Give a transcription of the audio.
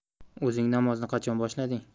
o'zing namozni qachon boshlading